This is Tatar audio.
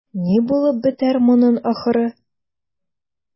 Ни булып бетәр моның ахыры?